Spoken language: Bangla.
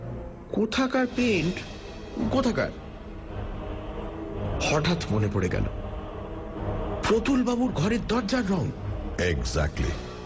কোথাকার পেন্ট কোথাকার হঠাৎ মনে পড়ে গেল প্রতুলবাবুর ঘরের দরজার রং এগ্জ্যাক্টলি